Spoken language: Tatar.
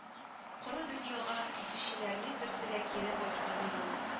Коры дөньяга китүчеләрнең берсе дә кире кайтканы юк